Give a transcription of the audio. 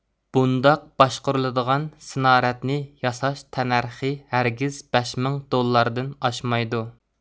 بۇنداق باشقۇرۇلىدىغان سىنارەدنى ياساش تەننەرخى ھەرگىز بەش مىڭ دوللاردىن ئاشمايدۇ